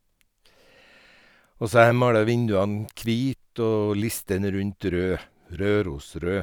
Og så har jeg malt vinduene kvit og listene rundt rød, Rørosrød.